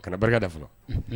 A ka kana barikada fana